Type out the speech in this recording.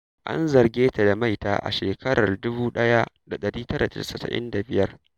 An zarge ta da maita a shekarar 1995.